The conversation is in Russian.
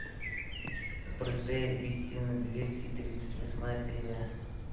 простые истины двести тридцать восьмая серия